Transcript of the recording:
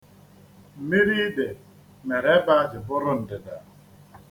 Mmiri ide mere ebe a jiri bụrụ ndịda.